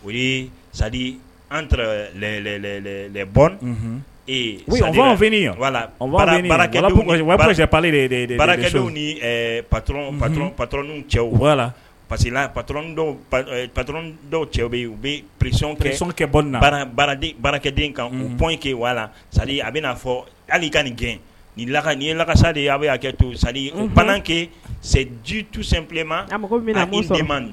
O an paale de bara ni parce dɔw cɛ bɛ yen u bɛsi kɛkɛ bɔden baarakɛden kan bɔ in kɛ sa a bɛa fɔ hali ka nin gɛn ni laka nin ye laka sa de ye a bɛ'a kɛ to sakɛ sɛji tusenp ma